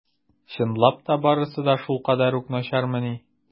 Чынлап та барысы да шулкадәр үк начармыни?